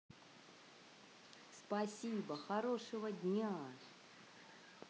спасибо хорошего дня